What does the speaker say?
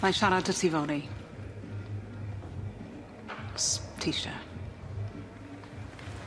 Fyddai'n siarad 'dy ti fory. 'S ti isie.